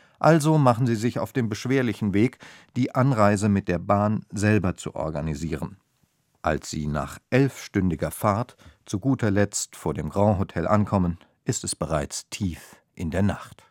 Also machen sie sich auf den beschwerlichen Weg, die Anreise mit der Bahn selber zu organisieren. Als sie nach elfstündiger Fahrt zu guter Letzt vor dem Grand-Hotel ankommen, ist es bereits tief in der Nacht